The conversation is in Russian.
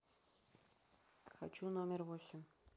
хочу номер восемь